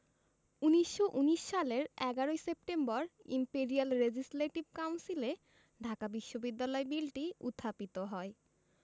১৯১৯ সালের ১১ September imperial legislative কাউন্সিলে ঢাকা বিশ্ববিদ্যালয় বিলটি উত্থাপিত হয়